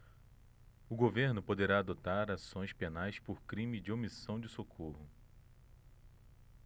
o governo poderá adotar ações penais por crime de omissão de socorro